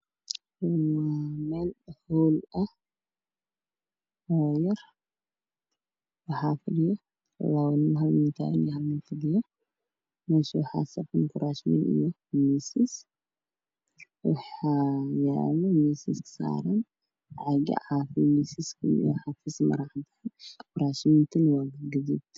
Waa meel hool ah waxaa fadhiyo labo nin hal uu taagan yahay halna wuu fadhiyaa. Meesha waxaa safan kuraasman iyo miisas. Miiska waxaa saaran caaga caafiga iyo maro kufiraashan iyo tiishash.